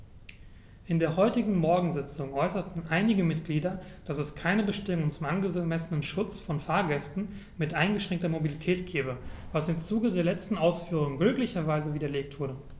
In der heutigen Morgensitzung äußerten einige Mitglieder, dass es keine Bestimmung zum angemessenen Schutz von Fahrgästen mit eingeschränkter Mobilität gebe, was im Zuge der letzten Ausführungen glücklicherweise widerlegt wurde.